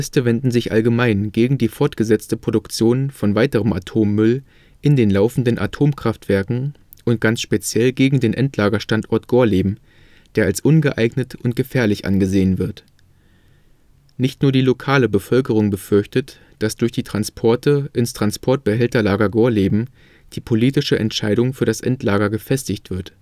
Die Proteste wenden sich allgemein gegen die fortgesetzte Produktion von weiterem Atommüll in den laufenden Atomkraftwerken und ganz speziell gegen den Endlagerstandort Gorleben, der als ungeeignet und gefährlich angesehen wird. Nicht nur die lokale Bevölkerung befürchtet, dass durch die Transporte ins Transportbehälterlager Gorleben die politische Entscheidung für das Endlager gefestigt wird